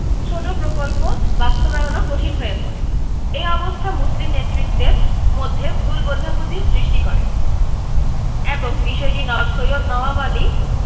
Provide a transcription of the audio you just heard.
ছোট প্রকল্প বাস্তবায়নও কঠিন হয়ে পড়ে এ অবস্থা মুসলিম নেতৃত্বের মধ্যে ভুল বোঝাবুঝির সৃষ্টি করে এবং বিষয়টি নবাব সৈয়দ নওয়াব আলী